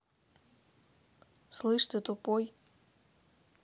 слышь ты тупой